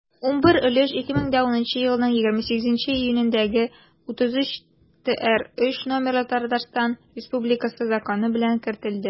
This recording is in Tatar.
11 өлеш 2010 елның 28 июнендәге 33-трз номерлы татарстан республикасы законы белән кертелде.